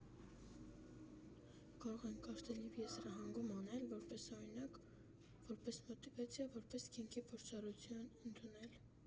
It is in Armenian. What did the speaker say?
Կարող են կարդալ և եզրահանգում անել, որպես օրինակ, որպես մոտիվացիա, որպես կյանքի փորձառություն ընդունել։